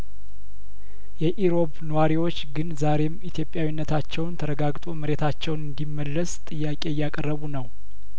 የኢሮብ ነዋሪዎች ግን ዛሬም ኢትዮጵያዊነታቸውን ተረጋግጦ መሬታቸው እንዲመለስ ጥያቄ እያቀረቡ ነው